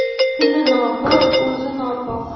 tili nopok o'zi nopok